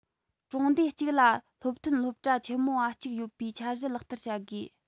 གྲོང སྡེ གཅིག ལ སློབ ཐོན སློབ གྲྭ ཆེན མོ བ གཅིག ཡོད པའི འཆར གཞི ལག བསྟར བྱ དགོས